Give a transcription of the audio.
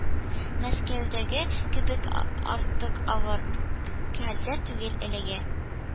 Мәскәүдәге кебек артык авыр хәлдә түгел әлегә